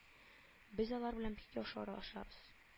Без алар белән бик яхшы аралашабыз